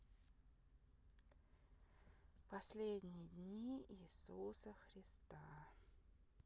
последние дни иисуса христа